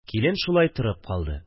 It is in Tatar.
Килен шулай торып калды